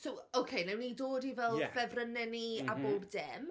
So ok wnawn ni dod i fel... Ie... ffefrynnau ni a pob dim.